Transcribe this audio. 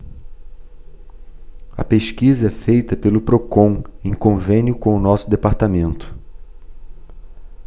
a pesquisa é feita pelo procon em convênio com o diese